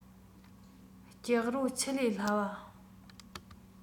སྐྱག རོ ཆུ ལས སླ བ